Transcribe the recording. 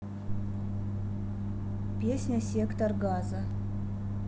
песня сектор газа